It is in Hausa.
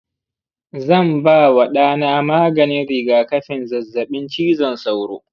zan ba wa ɗana maganin rigakafin zazzabin cizon sauro.